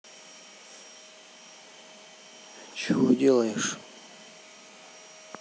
чего делаешь